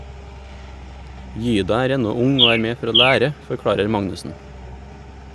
- Gyda er ennå ung og er med for å lære, forklarer Magnussen.